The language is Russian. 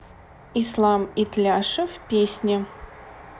ислам итляшев песни